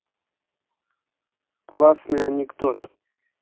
классный анекдот